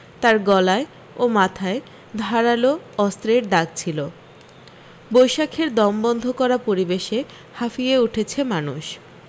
তার গলায় ও মাথায় ধারালো অস্ত্রের দাগ ছিল বৈশাখের দমবন্ধ করা পরিবেশে হাঁফিয়ে উঠছে মানুষ